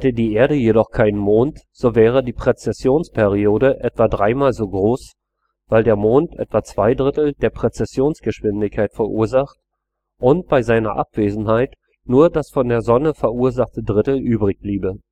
die Erde jedoch keinen Mond, so wäre die Präzessionsperiode etwa dreimal so groß, weil der Mond etwa zwei Drittel der Präzessionsgeschwindigkeit verursacht und bei seiner Abwesenheit nur das von der Sonne verursachte Drittel übrigbliebe